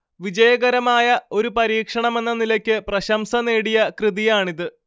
വിജയകരമായ ഒരു പരീക്ഷണമെന്ന നിലയ്ക്ക് പ്രശംസ നേടിയ കൃതിയാണിത്